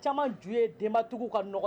Caman ju ye denba tugu ka nɔgɔ